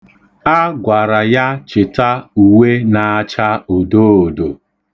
A gwara ya chịta uwe na-acha odoodo.